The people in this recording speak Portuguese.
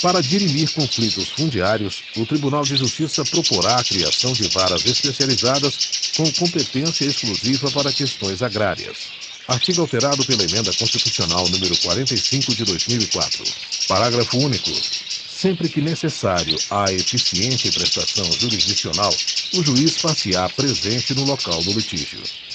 para dirimir conflitos fundiários o tribunal de justiça proporá a criação de varas especializadas com competência exclusiva para questões agrárias artigo alterado pela emenda constitucional número quarenta e cinco de dois mil e quatro parágrafo único sempre que necessário à eficiente prestação jurisdicional o juiz far se á presente no local do litígio